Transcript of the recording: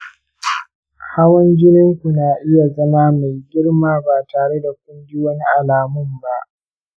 hawan jinin ku na iya zama mai girma ba tare da kun ji wani alamun ba.